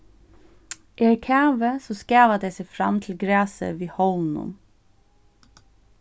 er kavi so skava tey seg fram til grasið við hóvnum